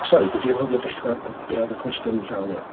Sori, dwi 'di anghofio dechrau. Be oedd y cwestiwn yn llawn 'wan?